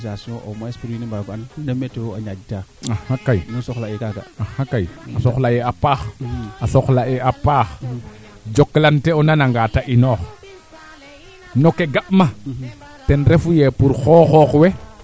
ndika ndeer kaa ten refu ye ga'a maaga na ko reta bo anka tiro ñamaak fo njandoon neete waagena o leyit xar waro jal xaƴ xar